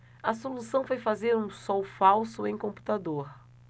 a solução foi fazer um sol falso em computador